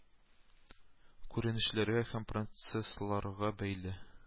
Күренешләргә һәм процессларга бәйле